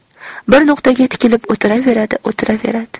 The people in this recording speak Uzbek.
bir nuqtaga tikilib o'tiraveradi o'tiraveradi